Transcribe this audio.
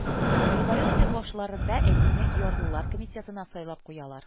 Революция башларында әтине ярлылар комитетына сайлап куялар